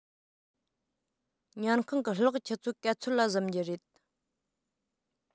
ཉལ ཁང གི གློག ཆུ ཚོད ག ཚོད ལ གཟིམ གྱི རེད